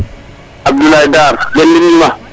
Abdoulaye Dar gen mbin